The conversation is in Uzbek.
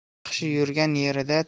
yaxshi yurgan yerida